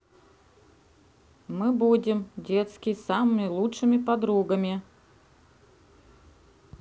мы будем детский с самыми лучшими подругами